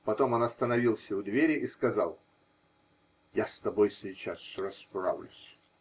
Потом он остановился у двери и сказал: -- Я с тобой сейчас расправлюсь.